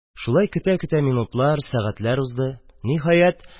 Шулай көтә-көтә минутлар, сәгатьләр узды.